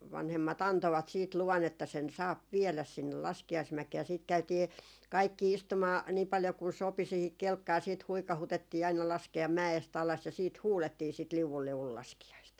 vanhemmat antoivat sitten luvan että sen saa viedä sinne laskiaismäkeen ja sitten käytiin kaikki istumaan niin paljon kuin sopi siihen kelkkaan sitten huikautettiin aina laskea mäestä alas ja sitten huudettiin sitä liu'u liu'u laskiaista